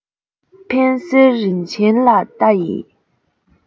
འཕན ཟེལ རིན ཆེན ལ ལྟ ཡི